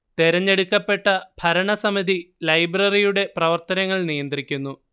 തെരഞ്ഞെടുക്കപ്പെട്ട ഭരണസമിതി ലൈബ്രറിയുടെ പ്രവർത്തനങ്ങൾ നിയന്ത്രിക്കുന്നു